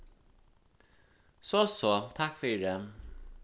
so so takk fyri